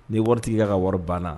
Ni waritigi y'a ye a ka wari banna